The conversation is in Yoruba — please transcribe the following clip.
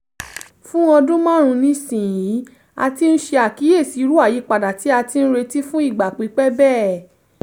Fún ọdún márùn-ún nísìnyìí a ti ń ṣe àkíyèsí irú àyípadà tí a ti ń retí fún ìgbà pípẹ́ bẹ́ẹ̀.